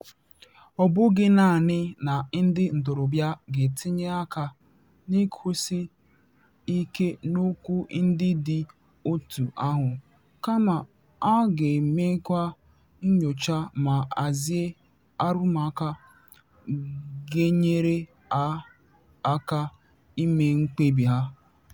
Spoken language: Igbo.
Ọ bụghị naanị na ndị ntorobịa ga-etinye aka n'ịkwụsi ike n'okwu ndị dị otú ahụ, kama ha ga-emekwa nnyocha ma hazie arụmụka ga-enyere ha aka ime mkpebi ha.